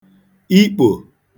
ikpò